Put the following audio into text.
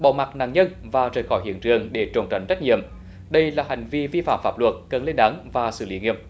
bỏ mặc nạn nhân và rời khỏi hiện trường để trốn tránh trách nhiệm đây là hành vi vi phạm pháp luật cần lên án và xử lý nghiêm